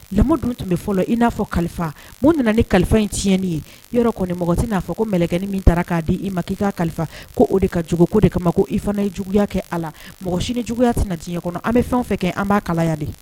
Lamɔ dun tun bɛ fɔlɔ i n'a fɔ kalifa mun nana ni kalifa in tiɲɛnini ye yɔrɔ kɔnimɔgɔ se n'a fɔ ko mkɛi min ta k'a di i ma k ii kaa kalifa ko o de ka juguko de kama ma ko i fana ye juguya kɛ a la mɔgɔ sini juguyaya tɛna na tiɲɛɲɛ kɔnɔ an bɛ fɛn fɛ kɛ an b'a kalaya de